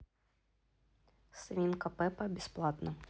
свинка пеппа бесплатно